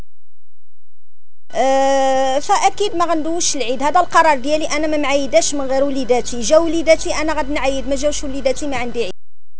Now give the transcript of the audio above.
فاكيد ماقدوش العيد هذا القرد يعني انا ما معيش مغير والذاتي جولتي انا قد معيد مجرشي